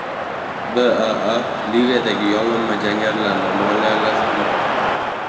baa liviyadagi yollanma jangarilarni moliyalashtirmoqda